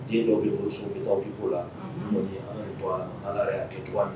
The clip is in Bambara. Den dɔw bɛ bolosu bɛ bi bolo la bɔ ala kɛ cogoya